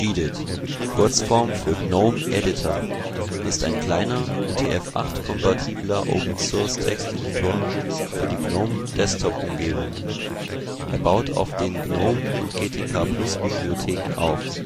gedit (Kurzform für GNOME-Editor) ist ein kleiner, UTF-8-kompatibler Open-Source-Texteditor für die GNOME-Desktopumgebung. Er baut auf den GNOME - und GTK+-Bibliotheken auf